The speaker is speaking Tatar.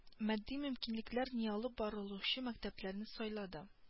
Матди мөмкинлекләр ниалып барылучы мәктәпләрне сайлады